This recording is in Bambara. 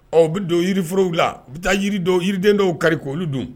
Ɔ bɛ don yiriforow la bi bɛ taa yiri dɔn yiriden dɔw kari ko olu dun